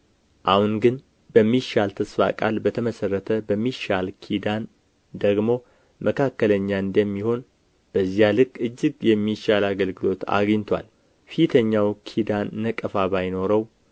አሁን ግን በሚሻል ተስፋ ቃል በተመሠረተ በሚሻል ኪዳን ደግሞ መካከለኛ እንደሚሆን በዚያ ልክ እጅግ የሚሻል አገልግሎት አግኝቶአል ፊተኛው ኪዳን ነቀፋ ባይኖረው